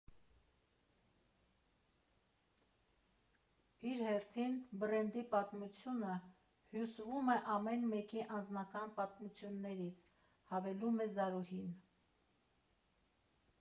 «Իր հերթին, բրենդի պատմությունը հյուսվում է ամեն մեկի անձնական պատմություններից», ֊ հավելում է Զարուհին։